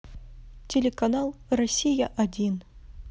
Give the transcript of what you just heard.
телеканал россия один